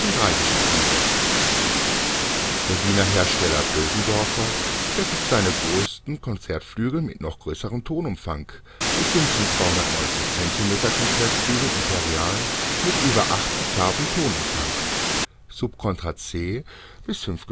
f3). Der Wiener Hersteller Bösendorfer fertigt seine größten Konzertflügel mit noch größerem Tonumfang, bis hin zum 290-cm-Konzertflügel „ Imperial “mit über 8 Oktaven Tonumfang (Subkontra C bis c5